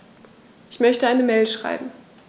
Ich möchte eine Mail schreiben.